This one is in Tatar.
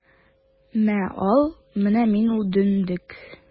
Мә, ал, менә мин ул дөндек!